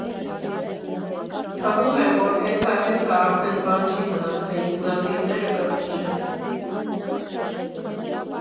Թվում էր, որ հեսա֊հեսա, արդեն բան չի մնացել, ինքնաթիռները կթռչեն։